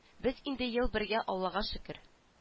Без инде ел бергә аллага шөкер